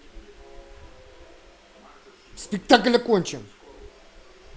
спектакль окончен